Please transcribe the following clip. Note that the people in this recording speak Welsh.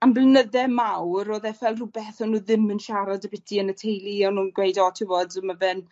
am blynydde mawr odd e ffel rwbeth o'n nw ddim yn siarad abytu yn y tulu o'n nw'n gweud o ti'wbod ma fe'n